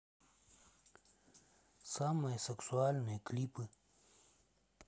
самые сексуальные клипы